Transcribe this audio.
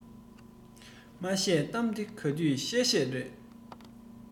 མ བཤད གཏམ དེ ག དུས བཤད བཤད རེད